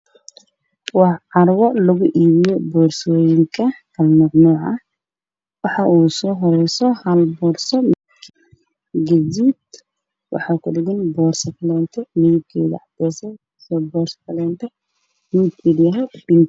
Waa carwo lagu iibiyo borsoyinka kala nuc nuc ah waxaa usoo horayso hal boorso gaduud waxaa ku dhegan borso kalento oo midibkeeda cadeesa iyo borso kalento gaduud iyo